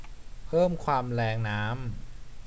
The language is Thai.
เพิ่มความแรงน้ำ